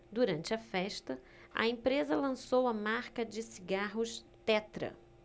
durante a festa a empresa lançou a marca de cigarros tetra